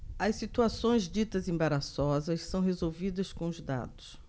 as situações ditas embaraçosas são resolvidas com os dados